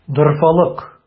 Дорфалык!